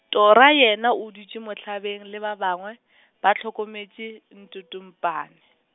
Tora yena o dutše mohlabeng le ba bangwe , ba hlokometše, ntotompane.